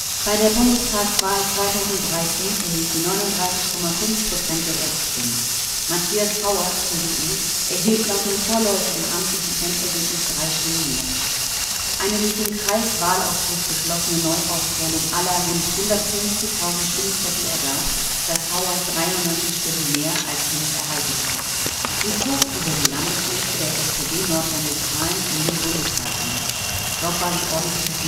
Bei der Bundestagswahl 2013 erhielt sie 39,5 % der Erststimmen; Matthias Hauer (CDU) erhielt laut dem vorläufigen amtlichen Endergebnis drei Stimmen mehr. Eine durch den Kreiswahlausschuss beschlossene Neuauszählung aller rund 150.000 Stimmzettel ergab, dass Hauer 93 Stimmen mehr als Hinz erhalten hatte. Sie zog über die Landesliste der SPD Nordrhein-Westfalen in den Bundestag ein. Dort war sie ordentliches Mitglied